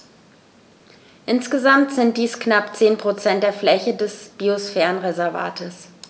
Insgesamt sind dies knapp 10 % der Fläche des Biosphärenreservates.